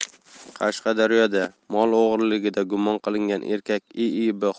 qashqadaryoda mol o'g'riligida gumon qilingan erkak iib